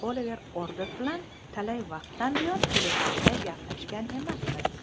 oliver ordok bilan talay vaqtdan buyon telefonda gaplashgan emasmiz